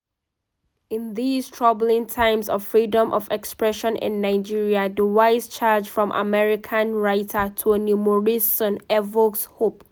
In these troubling times of freedom of expression in Nigeria, the wise charge from American writer Toni Morrison evokes hope: